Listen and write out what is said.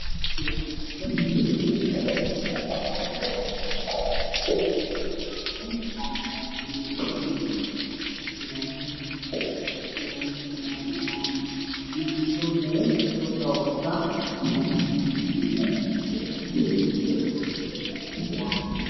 Waa gabdho isla socdo oo wataan xijaabo madow ah ee shareero waxay marayaan laamiga dhexdiisa oo dhow ugu soo horeyso way caddahay